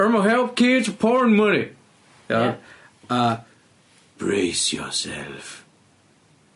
Urma help kids wi' porn money. Iawn? Ia. A brace yourself.